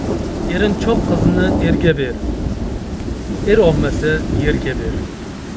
erinchoq qizni erga ber er olmasa yerga ber